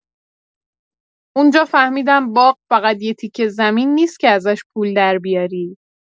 اونجا فهمیدم باغ فقط یه تیکه زمین نیست که ازش پول دربیاری.